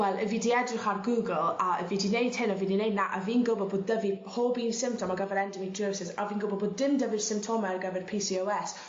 wel 'yf fi 'di edrych ar Google a fi 'di neud hyn a fi 'di neud 'na a fi'n gwbo bod 'dy fi pob un symptom a' gyfer endometriosis a fi'n gwbo bod dim 'dy fi'r symptome ar gyfer Pee See Owe Ess